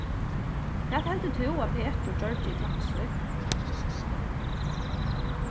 hvat heldur tú at petur gjørdi í klaksvík